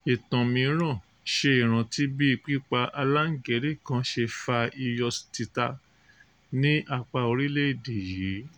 Ìtàn mìíràn ṣe ìrántí bí pípa àgbànrere kan ṣe fa iyọ̀ títà ní apá orílẹ̀-èdè yìí.